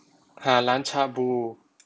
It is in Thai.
หาร้านชาบู